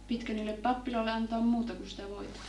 pitikö niille papeille antaa muuta kuin sitä voita